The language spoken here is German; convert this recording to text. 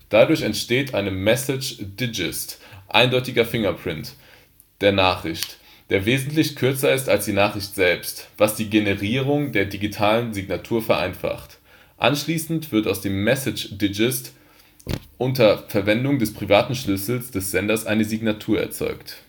Dadurch entsteht ein Message Digest (eindeutiger Fingerprint) der Nachricht, der wesentlich kürzer ist als die Nachricht selbst, was die Generierung der digitalen Signatur vereinfacht. Anschließend wird aus dem Message Digest unter Verwendung des privaten Schlüssels des Senders eine Signatur erzeugt